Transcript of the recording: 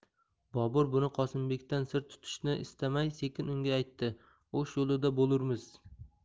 bobur buni qosimbekdan sir tutishni istamay sekin unga aytdi o'sh yo'lida bo'lurmiz